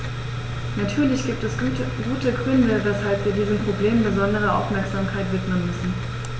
Natürlich gibt es gute Gründe, weshalb wir diesem Problem besondere Aufmerksamkeit widmen müssen.